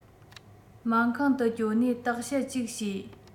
སྨན ཁང དུ བསྐྱོད ནས བརྟག དཔྱད ཅིག བྱེད